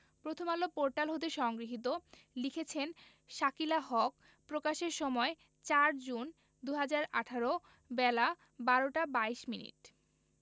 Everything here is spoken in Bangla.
প্রথমআলো পোর্টাল হতে সংগৃহীত লিখেছেন শাকিলা হক প্রকাশের সময় ৪ জুন ২০১৮ বেলা ১২টা ২২মিনিট